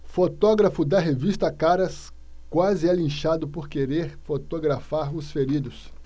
fotógrafo da revista caras quase é linchado por querer fotografar os feridos